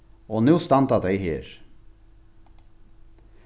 og nú standa tey her